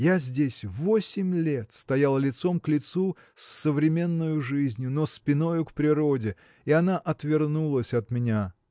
Я здесь восемь лет стоял лицом к лицу с современною жизнью но спиною к природе и она отвернулась от меня